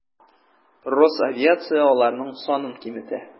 Росавиация аларның санын киметә.